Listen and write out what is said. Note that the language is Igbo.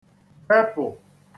-bepụ̀